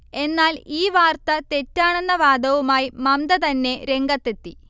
എന്നാൽ ഈ വാർത്ത തെറ്റാണെന്ന വാദവുമായി മംമ്ത തന്നെ രംഗത്തെത്തി